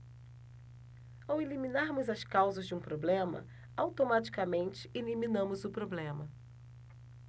ao eliminarmos as causas de um problema automaticamente eliminamos o problema